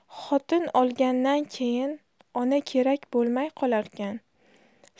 xotin olgandan keyin ona kerak bo'lmay qolarkan